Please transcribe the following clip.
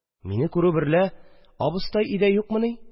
Мине күрү берлә: «Абыстай өйдә юкмыни